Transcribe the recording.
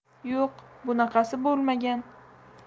yo'q bunaqasi bo'lmagan